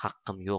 haqqim yo'q